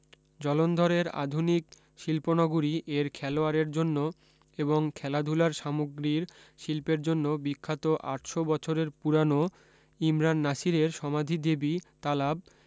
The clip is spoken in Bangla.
জলন্ধরের আধুনিক শিল্পনগরী এর খেলোয়াড়ের জন্য এবং খেলাধূলার সামগ্রীর শিল্পের জন্য বিখ্যাত আটশ বছরের পুরানো ইমরান নাসিরের সমাধি দেবী তালাব